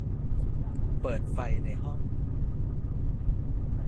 เปิดไฟในห้อง